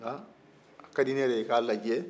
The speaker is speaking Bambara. nka a ka di ne de ye e k'a lajɛ